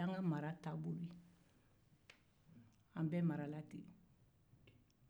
o y'an ka mara taabolo ye an bɛɛ marala ten